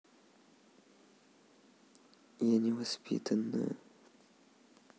я невоспитанная